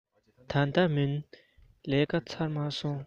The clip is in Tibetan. ད ལྟ མིན ལས ཀ ཚར མ སོང